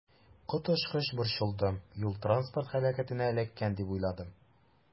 Коточкыч борчылдым, юл-транспорт һәлакәтенә эләккән дип уйладым.